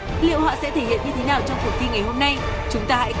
liệu họ sẽ thể hiện như thế nào trong cuộc thi ngày hôm nay chúng ta hãy